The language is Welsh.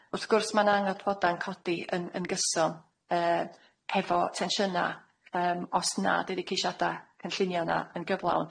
Wrth gwrs ma' 'na anghydfoda'n codi yn yn gyson yy hefo tensiyna' yym os nad ydi ceisiada' cynllunio 'na yn gyflawn.